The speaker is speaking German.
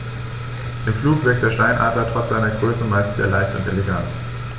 Im Flug wirkt der Steinadler trotz seiner Größe meist sehr leicht und elegant.